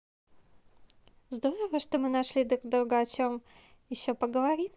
здорово что мы нашли друг друга о чем еще поговорим